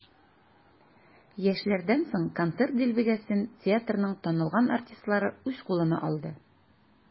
Яшьләрдән соң концерт дилбегәсен театрның танылган артистлары үз кулына алды.